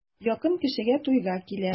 Якын кешегә туйга килә.